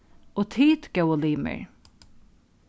og tit góðu limir